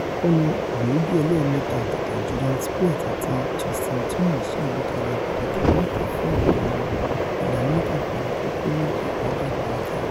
Akọni gbòógì ẹlẹ́ẹ̀mẹ́ta ọ̀tọ̀tọ̀ Jordan Spieth àti JustinnThomas ṣàgbékalẹ̀ gbèdéke máàki fún àwọn ọmọ ilẹ̀ Amẹ́ríkà pẹ̀lú kókó méjì lọ́jọ́ Àbámẹ́ta.